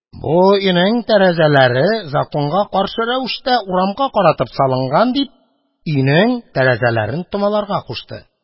Бу өйнең тәрәзәләре законга каршы рәвештә урамга каратып салынган, – дип, өйнең тәрәзәләрен томаларга кушты.